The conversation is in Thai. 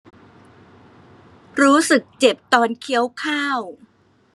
รู้สึกเจ็บตอนเคี้ยวข้าว